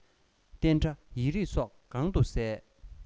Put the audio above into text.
གཏན ཁྲ ཡིག རིགས སོགས གང དུ གསལ